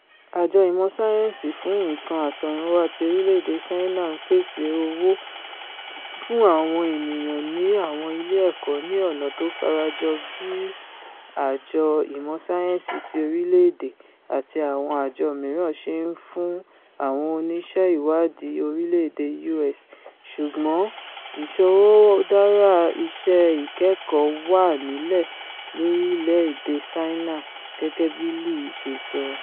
Àjọ Ìmọ̀ Sáyẹ́ńsì fún Nǹkan Àtọ̀runwá ti orílẹ̀-èdè Ṣáínà ńpèsè owó fún àwọn ènìyàn ní àwọn ilé ẹ̀kọ́ ní ọ̀nà tó farajọ bí Àjọ Ìmọ̀ Sáyẹ́ńsì ti orílẹ̀-èdè àti àwọn àjọ mìíràn ṣe ńfún àwọn oníṣẹ́-ìwáàdí orílẹ̀-èdè U.S., ṣùgbọ́n ìṣọwọ́dára iṣẹ́ ìkẹ́kọ̀ọ́ wá nílẹ̀ lorílẹ̀-èdè Ṣáínà, gẹ́gẹ́ bíi Lee ṣe sọ.